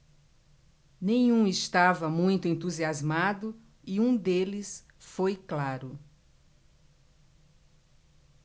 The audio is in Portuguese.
nenhum estava muito entusiasmado e um deles foi claro